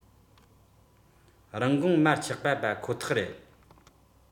རིན གོང མར ཆག པ པ ཁོ ཐག རེད